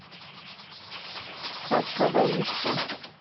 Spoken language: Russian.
как говорится